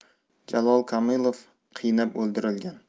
jalol komilov qiynab o'ldirilgan